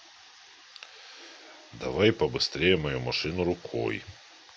давай побыстрее мою машину рукой